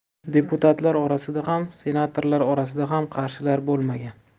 deputatlar orasida ham senatorlar orasida ham qarshilar bo'lmagan